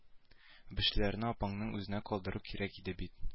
Үбешүләрне апаңның үзенә калдыру кирәк иде бит